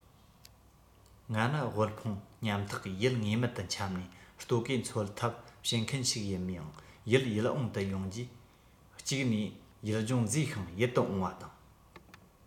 ང ནི དབུལ ཕོངས ཉམས ཐག ཡུལ ངེས མེད དུ འཁྱམས ནས ལྟོ གོས འཚོལ ཐབས བྱེད མཁན ཞིག ཡིན ཡང ཡུལ ཡིད འོང དུ སླེབས རྗེས གཅིག ནས ཡུལ ལྗོངས མཛེས ཤིང ཡིད དུ འོང བ དང